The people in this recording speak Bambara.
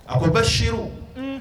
A ko basiru unn.